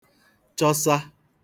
chọsa